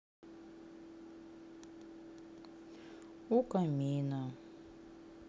у камина